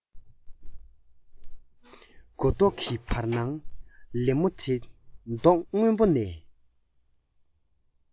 མགོ ཐོག གི བར སྣང ལེབ མོ དེ མདོག སྔོན པོ ནས